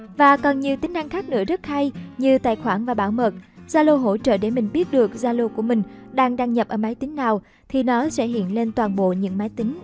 và còn nhiều tính năng khác nữa rất hay như tài khoản và bảo mật zalo hỗ trợ để mình biết được zalo của mình đang đăng nhập ở máy tính nào thì nó sẽ hiện lên toàn bộ những máy tính